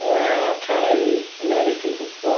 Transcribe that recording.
Wel cae American football.